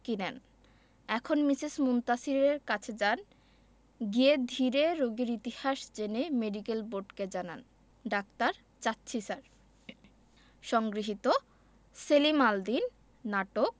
ঝক্কি নেন এখন মিসেস মুনতাসীরের কাছে যান গিয়ে ধীরে রোগীর ইতিহাস জেনে মেডিকেল বোর্ডকে জানান ডাক্তার যাচ্ছি স্যার সংগৃহীত সেলিম আল দীন নাটক